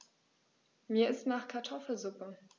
Mir ist nach Kartoffelsuppe.